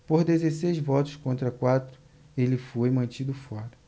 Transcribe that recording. por dezesseis votos contra quatro ele foi mantido fora